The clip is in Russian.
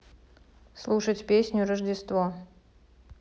слушать песню рождество